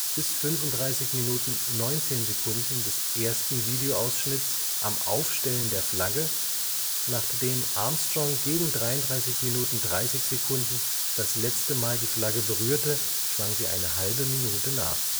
bis 35:19 des ersten Videoausschnitts am Aufstellen der Flagge, nachdem Armstrong gegen 33:30 das letzte Mal die Flagge berührte, schwang sie eine halbe Minute nach